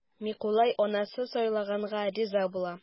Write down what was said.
Микулай анасы сайлаганга риза була.